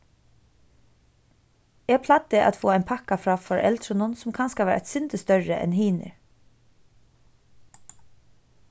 eg plagdi at fáa ein pakka frá foreldrunum sum kanska var eitt sindur størri enn hinir